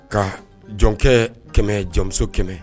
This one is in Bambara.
Ka jɔnkɛ kɛmɛ jamumuso kɛmɛ